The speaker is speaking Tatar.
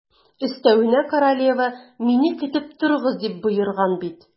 Өстәвенә, королева: «Мине көтеп торыгыз», - дип боерган бит.